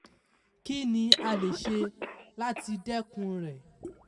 Kí ni a lè ṣe láti dẹ́kun rẹ̀?